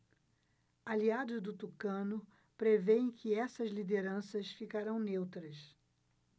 aliados do tucano prevêem que essas lideranças ficarão neutras